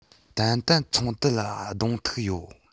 ཏན ཏན ཚོང དུད ལ གདོང གཏུག ཡོད